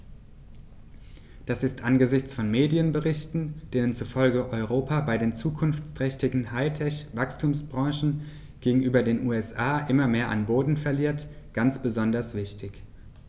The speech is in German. Das ist angesichts von Medienberichten, denen zufolge Europa bei den zukunftsträchtigen High-Tech-Wachstumsbranchen gegenüber den USA immer mehr an Boden verliert, ganz besonders wichtig.